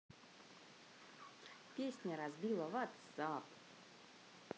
песня разбила ватсап